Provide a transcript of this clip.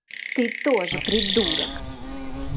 ты тоже придурок